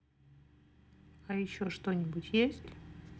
а еще что нибудь есть